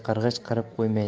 qirg'ich qirib qo'ymaydi